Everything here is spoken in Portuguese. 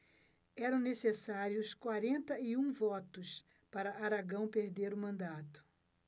eram necessários quarenta e um votos para aragão perder o mandato